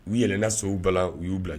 U yɛlɛna sow bala u y'u bila